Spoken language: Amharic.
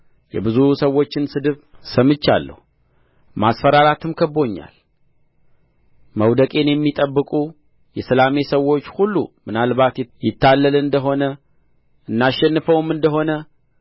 የብዙ ሰዎችን ስድብ ሰምቻለሁ ማስፈራራትም ከብቦኛል መውደቄን የሚጠብቁ የሰላሜ ሰዎች ሁሉ ምናልባት ይታለል እንደ ሆነ እናሸንፈውም እንደ ሆነ